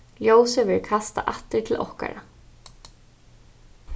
ljósið verður kastað aftur til okkara